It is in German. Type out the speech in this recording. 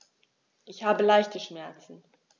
Ich habe leichte Schmerzen.